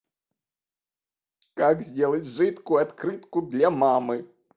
как сделать жидкую открытку для мамы